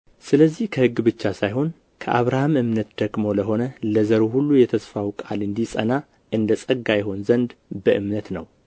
ስለዚህ ከሕግ ብቻ ሳይሆን ከአብርሃም እምነት ደግሞ ለሆነ ለዘሩ ሁሉ የተስፋው ቃል እንዲጸና እንደ ጸጋ ይሆን ዘንድ በእምነት ነው